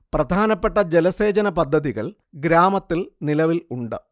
പ്രധാനപ്പെട്ട ജലസേചന പദ്ധതികൾ ഗ്രാമത്തിൽ നിലവിൽ ഉണ്ട്